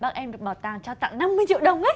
bác em được bảo tàng trao tặng năm mươi triệu đồng đấy